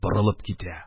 Борылып китә.